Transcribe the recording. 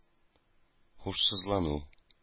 Һушсызлану